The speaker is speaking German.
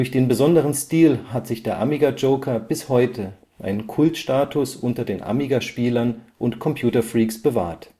den besonderen Stil hat sich der Amiga Joker bis heute einen Kult-Status unter den Amiga-Spielern und Computerfreaks bewahrt